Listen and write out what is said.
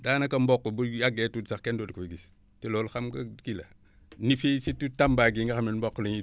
daanaka mboq bu yàggee tuuti sax kenn dootu ko gis te loolu xam nga kii la ni fii surtout Tamba gii nga xam ne mboq la ñuy